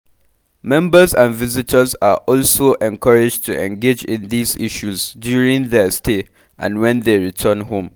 Members and visitors are also encouraged to engage in these issues during their stay and when they return home.